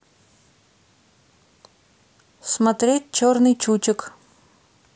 смотреть черный чучик